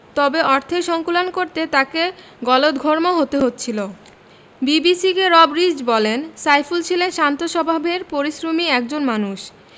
তবে অর্থের সংকুলান করতে তাঁকে গলদঘর্ম হতে হচ্ছিল বিবিসিকে রব রিজ বলেন সাইফুল ছিলেন শান্ত স্বভাবের পরিশ্রমী একজন মানুষ